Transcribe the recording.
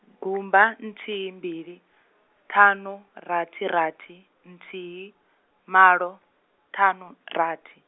gumba nthihi mbili, ṱhanu rathi rathi, nthihi, malo, ṱhanu, rathi.